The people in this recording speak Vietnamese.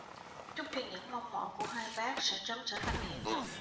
chúc cho những mong mỏi của hai bác sẽ sớm trở thành hiện thực